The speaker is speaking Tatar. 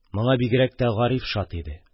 Моңа бигрәк тә Гариф шат иде.